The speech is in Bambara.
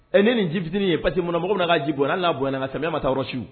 Ɛ ne ni jifitiniinin ye patim kɔnɔbagaw bɛna na kaa ji bɔ n'a bɔ n ka sɛ ma yɔrɔsiw